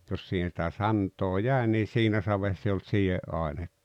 jos siihen sitä santaa jäi niin siinä savessa ei ollut sideainetta -